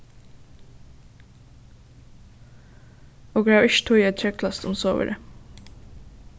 okur hava ikki tíð at keglast um sovorðið